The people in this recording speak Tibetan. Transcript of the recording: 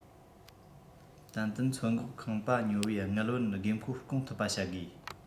ཏན ཏན ཚོད འགོག ཁང པ ཉོ བའི དངུལ བུན དགོས མཁོ སྐོང ཐུབ པ བྱེད དགོས